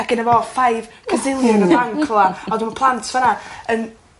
...a genno fe five gazillion yn y banc rŵan a wedyn ma' plant fan 'na yn